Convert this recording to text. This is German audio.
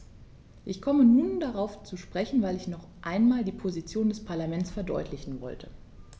Ich komme nur darauf zu sprechen, weil ich noch einmal die Position des Parlaments verdeutlichen wollte.